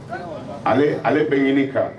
Ale bɛ ɲini kan